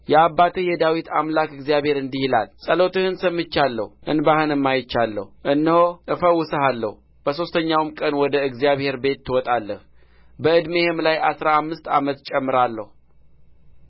የአባትህ የዳዊት አምላክ እግዚአብሔር እንዲህ ይላል ጸሎትህን ሰምቻለሁ እንባህንም አይቻለሁ እነሆ እፈውስሃለሁ በሦስተኛውም ቀን ወደ እግዚአብሔር ቤት ትወጣለህ በዕድሜህም ላይ አሥራ አምስት ዓመት እጨምራለሁ